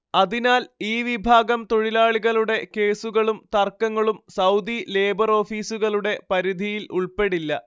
അതിനാൽ ഈ വിഭാഗം തൊഴിലാളികളുടെ കേസുകളും തർക്കങ്ങളും സൗദി ലേബർ ഓഫീസുകളുടെ പരിധിയിൽ ഉൾപ്പെടില്ല